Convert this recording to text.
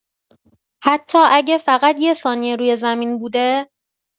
حتی اگه فقط یه ثانیه روی زمین بوده؟